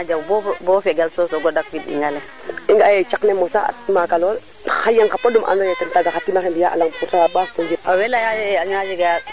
xaye nuun i ndetud u meeke na ɗinga le nuun a ndingale mos na mos lool a mosa xa tima xe ando naye nu na utiliser an meke kama ɗingale mam nu ngota den fo manam ne refe jafe jafe pour nu ndawa den